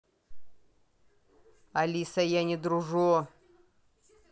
алиса я не дружу